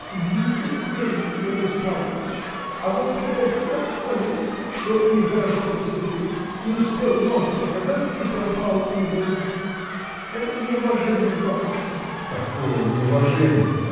— Смейся, смейся, Борис Павлович, а вот при гостях скажу, что нехорошо поступил: не успел носа показать и пропал из дома. Это неуважение к бабушке. — Какое неуважение?